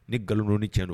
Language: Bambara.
Ni nkalondonlon ni cɛ don